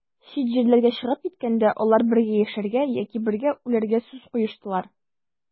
Чит җирләргә чыгып киткәндә, алар бергә яшәргә яки бергә үләргә сүз куештылар.